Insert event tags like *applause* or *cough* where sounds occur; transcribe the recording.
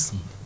*hesitation* *hesitation*